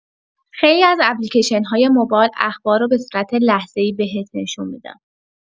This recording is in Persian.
خیلی از اپلیکیشن‌های موبایل اخبار رو به صورت لحظه‌ای بهت نشون می‌دن.